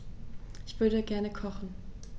Ich würde gerne kochen.